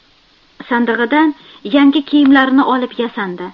sandig'idan yangi kiyimlarini olib yasandi